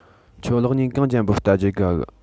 ཁྱོད གློག བརྙན གང ཅན པོ བལྟ རྒྱུའོ དགའ གི